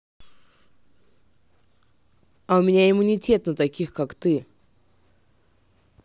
а у меня иммунитет на таких как ты